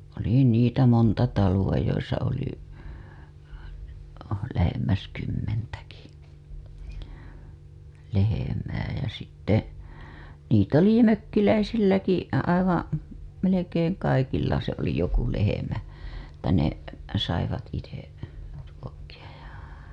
oli niitä monta taloa joissa oli lähemmäs kymmentäkin lehmää ja sitten niitä oli mökkiläisilläkin aivan melkein kalkilla se oli joku lehmä että ne saivat itse ruokkia ja